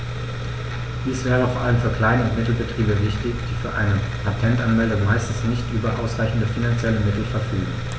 Dies wäre vor allem für Klein- und Mittelbetriebe wichtig, die für eine Patentanmeldung meistens nicht über ausreichende finanzielle Mittel verfügen.